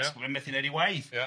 ond mae'n methu wneud ei waith... Ia